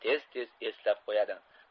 tez tez eslab qo'yadi